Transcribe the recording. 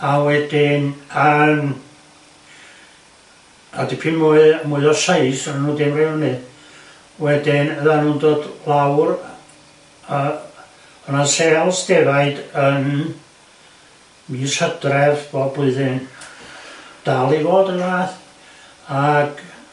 a wedyn yn a dipyn mwy mwy o seis oddan n'w di mynd i fyny wedyn oddan n'w'n dod lawr yy ona sêls ddefaid yn mis Hydref bob blwyddyn dal i fod yr un fath ag